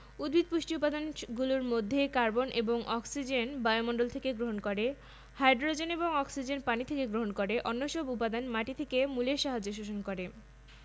কোষবিভাজনের মাধ্যমে উদ্ভিদের বৃদ্ধি নিয়ন্ত্রণ করে পটাশিয়াম এটি মূল ফুল ও ফল উৎপাদন এবং বর্ধনেও সাহায্য করে ফসফরাস মূল বর্ধনের জন্য ফসফরাস অত্যন্ত প্রয়োজনীয় উপাদান ফসফরাস